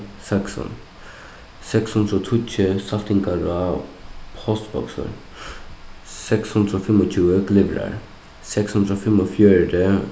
saksun seks hundrað og tíggju saltangará postboksir seks hundrað og fimmogtjúgu glyvrar seks hundrað og fimmogfjøruti